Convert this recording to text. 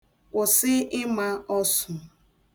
Kwụsị ima ọsụ.